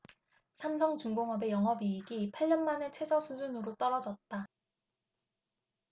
삼성중공업의 영업이익이 팔 년 만에 최저수준으로 떨어졌다